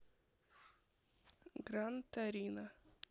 гран торино